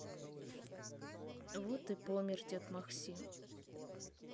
вот и помер дед максим